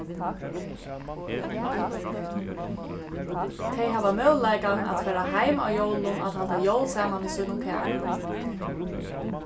tey hava møguleikan at fara heim á jólum at halda jól saman við sínum kæru